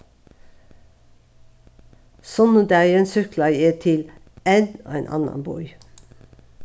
sunnudagin súkklaði eg til enn ein annan bý